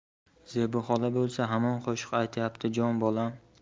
zebi xola bo'lsa hamon qo'shiq aytyapti jon bolam